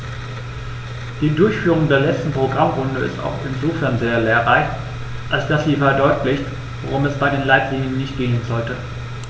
Die Durchführung der letzten Programmrunde ist auch insofern sehr lehrreich, als dass sie verdeutlicht, worum es bei den Leitlinien nicht gehen sollte.